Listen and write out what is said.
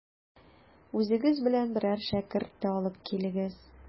Үзегез белән берәр шәкерт тә алып килегез.